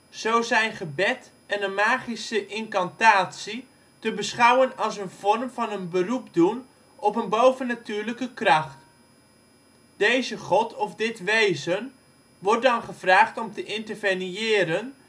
Zo zijn gebed en een magische incantatie te beschouwen als een vorm van een beroep doen op een bovennatuurlijke kracht. Deze god of dit wezen wordt dan gevraagd om te interveniëren